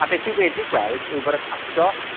a beth fi wedi gweld yw bod y tato